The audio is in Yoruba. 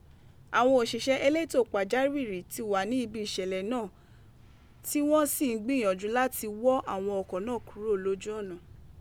Awọn oṣisẹ eleto pajawiri ti wa ni ibi iṣẹlẹ naa ti wọn si n gbiyanju lati wọ awọn ọkọ naa kuro loju ọna.